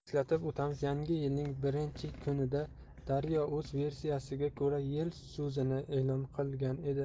eslatib o'tamiz yangi yilning birinchi kunida daryo o'z versiyasiga ko'ra yil so'zini e'lon qilgan edi